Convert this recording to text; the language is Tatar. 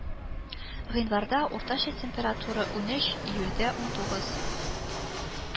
Гыйнварда уртача температура унөч; июльдә унтугыз